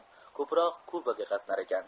ko'proq kubaga qatnarkan